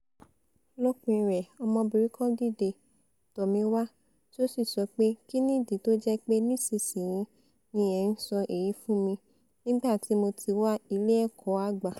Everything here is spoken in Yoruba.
'Lópin rẹ̀ ọmọbìnrin kan dìde tọ̀ mi wá tí ó sì sọ pé: 'Kínni ìdí tó jẹ́pé nísinsìnyí ni ẹ̀ ń sọ èyí fún mi, nígbà tí mó ti wà ilé ẹ́kọ̀o àgbà?'